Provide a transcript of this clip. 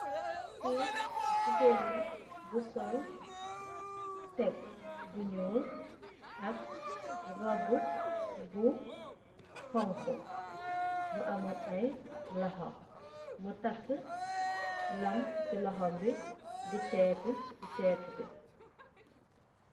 Lii jigéen la, bu sol tek, bu ñuul ak roobu bu xoñgu, bu amut ay loxo. Mu takë lam ci loxoom bi, di séétu si séétu bi.